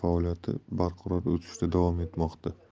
faoliyati barqaror o'sishda davom etmoqda